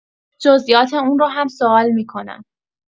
جزئیات اون رو هم سوال می‌کنن.